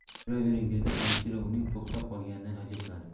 yuravering dedi hamshira uning to'xtab qolganidan ajablanib